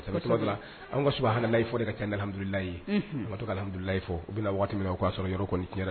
Saba an ka hallayi fɔ de ka kɛhamdulilalayehabudulayi u bɛna waati min'a sɔrɔ yɔrɔ kɔni